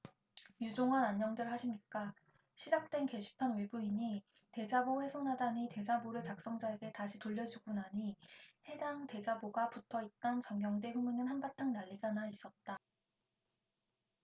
유종헌안녕들 하십니까 시작된 게시판 외부인이 대자보 훼손하다니대자보를 작성자에게 다시 돌려주고 나니 해당 대자보가 붙어있던 정경대 후문은 한바탕 난리가 나 있었다